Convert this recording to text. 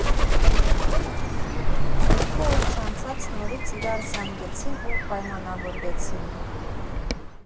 Երկու օր չանցած նորից իրար զանգեցին ու պայմանավորվեցին.